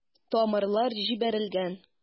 Тамырлар җибәрелгән.